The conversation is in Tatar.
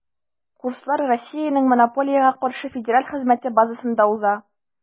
Курслар Россиянең Монополиягә каршы федераль хезмәте базасында уза.